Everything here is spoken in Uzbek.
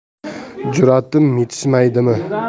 juratim yetishmaydimi